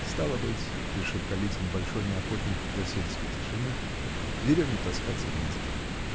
"Стало быть, -- решил Калитин, большой неохотник до сельской тишины, -- в деревню таскаться незачем".